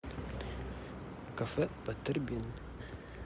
кафе батербин